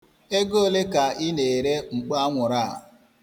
Ego ole ka Ị na-ere mkpo anwụrụ a?